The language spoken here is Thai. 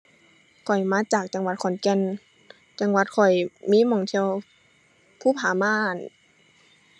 ข้อยมาจากจังหวัดขอนแก่น จังหวัดข้อยมีหม้องเที่ยวภูผาม่าน